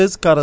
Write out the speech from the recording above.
waaw